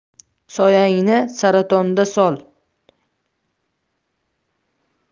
soyangni saratonda sol